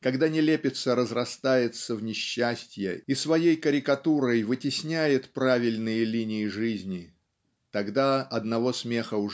когда нелепица разрастается в несчастье и своей карикатурой вытесняет правильные линии жизни тогда одного смех